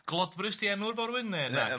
Glodfrys 'di enw'r forwyn neu naci?